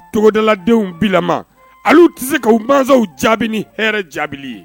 Cogodaladenw bila olu tɛ se k' maw jaabi ni hɛrɛ jaabi ye